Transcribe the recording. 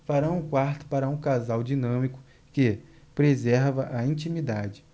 farão um quarto para um casal dinâmico que preserva a intimidade